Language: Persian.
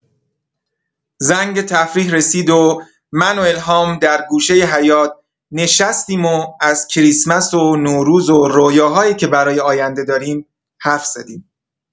زنگ تفریح رسید و من و الهام در گوشه حیاط نشستیم و از کریسمس و نوروز و رویاهایی که برای آینده داریم حرف زدیم.